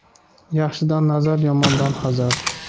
yaxshidan nazar yomondan hazar